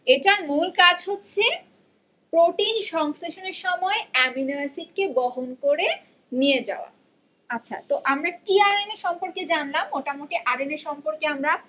এটার মূল কাজ হচ্ছে প্রোটিন সংশ্লেষণের সময় অ্যামিনো অ্যাসিড কে বহন করে নিয়ে যাওয়া আচ্ছা তো আমরা টি আর এন এ সম্পর্কে জানলাম মোটামুটি আর এন এর সম্পর্কে আমরা